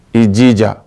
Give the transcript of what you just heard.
I jija